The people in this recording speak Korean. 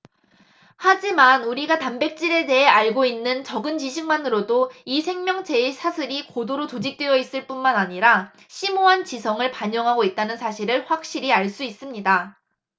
하지만 우리가 단백질에 대해 알고 있는 적은 지식만으로도 이 생명체의 사슬이 고도로 조직되어 있을 뿐만 아니라 심오한 지성을 반영하고 있다는 사실을 확실히 알 수 있습니다